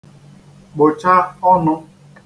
kpụ̀cha ọ̄nụ̄